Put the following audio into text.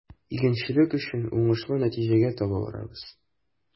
Игенчелек өчен уңышлы нәтиҗәгә таба барабыз.